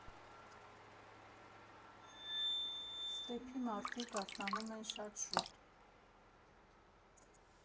Ստեփի մարդիկ արթնանում են շատ շուտ.